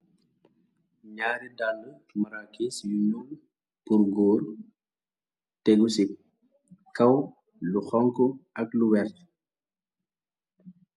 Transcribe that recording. ñaari dall marakis yu nul pur gór tegu si kaw lu xonco ak lu werte